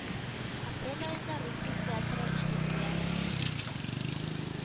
Апрель аенда Русия театры эшлеклеләре